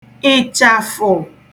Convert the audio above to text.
ị̀chàfụ̀